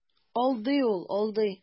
Алдый ул, алдый.